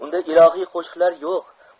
unda ilohiy qo'shiqlar yo'q